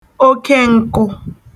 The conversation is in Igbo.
okeǹkụ